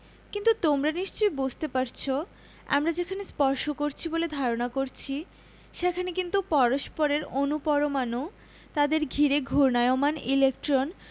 কিন্তু তোমরা নিশ্চয়ই বুঝতে পারছ আমরা যেখানে স্পর্শ করছি বলে ধারণা করছি সেখানে কিন্তু পরস্পরের অণু পরমাণু তাদের ঘিরে ঘূর্ণায়মান ইলেকট্রন